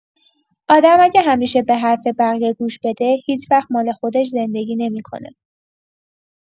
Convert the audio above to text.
آدم اگه همیشه به حرف بقیه گوش بده، هیچ‌وقت مال خودش زندگی نمی‌کنه.